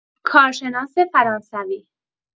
کارشناس فرانسوی